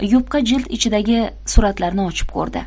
yupqa jild ichidagi suratlarni ochib ko'rdi